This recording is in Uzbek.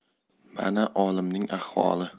mana olimning ahvoli